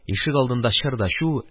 Ишегалдында чыр да чу